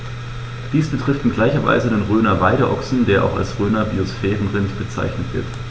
Dies betrifft in gleicher Weise den Rhöner Weideochsen, der auch als Rhöner Biosphärenrind bezeichnet wird.